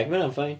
Ma' hynna'n fine.